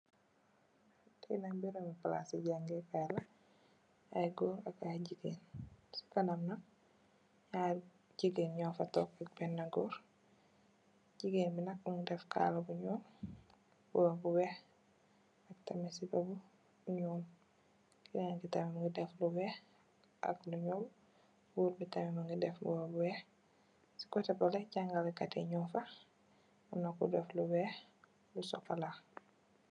fee nak borobu palasi jangeh Kai la ay goor ak ay jigeen ci kanam nak ay jigeen nyofa tog ak bena goor jigeen bi nak mungi def Kala bu nyool mbuba bu weex ak sipa bu nyool kenen ki tamit mungi def lu weex ak lu nyool goor bi tamit mungi def lu weex ci koteh beleh jangakeh Kati nyung fa amna ku def lu weex lu sokola